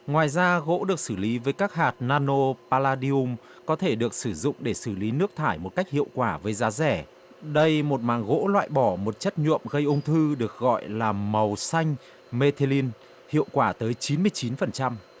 ngoài ra gỗ được xử lý với các hạt na nô pa la đi um có thể được sử dụng để xử lý nước thải một cách hiệu quả với giá rẻ đây một mảng gỗ loại bỏ một chất nhuộm gây ung thư được gọi là màu xanh mê thê lin hiệu quả tới chín mươi chín phần trăm